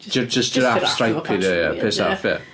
Jyst jiráffs stripey 'di o. Piss off, ia.